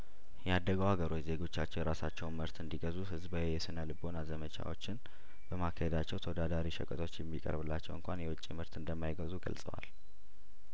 ያደጉ አገሮች ዜጐቻቸው የራሳቸውንምርት እንዲ ገዙ ህዝባዊ የስነልቦና ዘመቻዎችን በማካሄዳቸው ተወዳዳሪ ሸቀጦች ቢቀርቡላቸው እንኳን የውጭምርት እንደማይገዙ ገልጸዋል